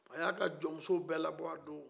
a ye a ka jɔn muso bɛɛ labɔ a don